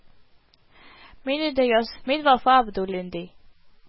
Мине дә яз, мин Вафа Абдуллин, ди